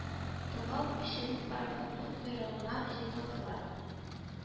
Тыңлау өчен пароходның койрыгына җыйналдылар.